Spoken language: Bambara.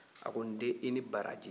a ko '' n den i ni baraji''